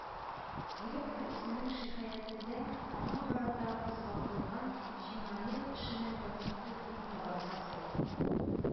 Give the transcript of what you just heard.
Директор үзенең шикаятендә аңа карата кузгатылган җинаять эшенен законсыз дип табарга сорый